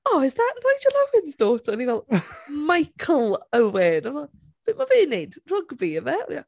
"Oh is that Nigel Owen's daughter?" O'n i fel "Michael Owen"! Oedd o fel "be ma' fe'n wneud, rygbi ife?" Ie.